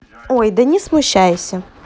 ой да не смущайся